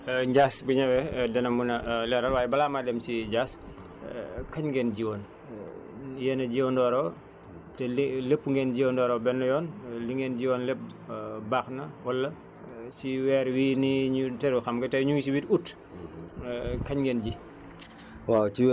Dia Sy bu ñëwee dina mën a leeral waaye balaa maa dem ci Dia kañ ngeen ji woon yéen a jiyandoo woon te li lépp ngeen jiyandoo benn yoon li ngeen ji woon lépp baax na wala si weer wii nii ñu teru xam nga tey ñu ngi si huit août kañ ngeen ji